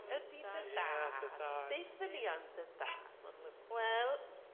ydi dy dad. Ie dy dad. Deutha ni am dy dad ma'n lyfli. Wel,